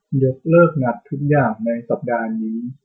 ยกเลิกนัดทุกอย่างในสัปดาห์นี้